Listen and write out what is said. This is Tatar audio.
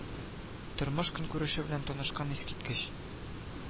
Тормыш-көнкүреше белән танышкан, искиткеч